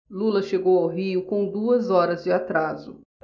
lula chegou ao rio com duas horas de atraso